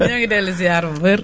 ñoo ngi dellu ziyaar bu wér